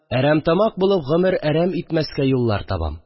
Әрәмтамак булып гомер әрәм итмәскә юллар табам